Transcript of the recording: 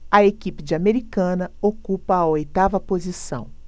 a equipe de americana ocupa a oitava posição